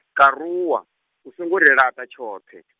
karuwa, u songo ri laṱa tshoṱhe .